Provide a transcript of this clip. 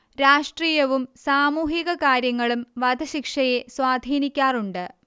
രാഷ്ട്രീയവും സാമൂഹിക കാര്യങ്ങളും വധശിക്ഷയെ സ്വാധീനിക്കാറുണ്ട്